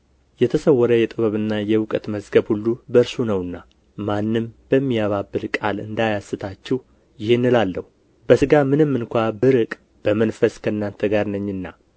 የተሰወረ የጥበብና የእውቀት መዝገብ ሁሉ በእርሱ ነውና ማንም በሚያባብል ቃል እንዳያስታችሁ ይህን እላለሁ በሥጋ ምንም እንኳ ብርቅ በመንፈስ ከእናንተ ጋር ነኝና